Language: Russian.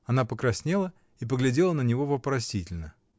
Она покраснела и поглядела на него вопросительно.